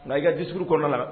Nka i ka discours kɔnɔna na